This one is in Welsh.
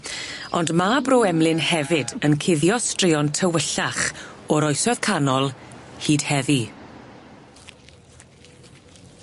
Ond ma' Bro Emlyn hefyd yn cuddio straeon tywyllach o'r oesoedd canol hyd heddi.